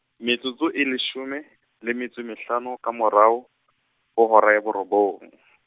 metsotso e leshome, le metso e mehlano, ka morao , ho hora ya borobong.